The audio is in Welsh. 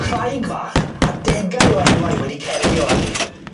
Craig fach, a degau o enwau wedi cerfio arni.